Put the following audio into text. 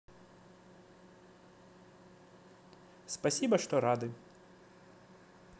спасибо что рады